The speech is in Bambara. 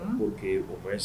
OK au moins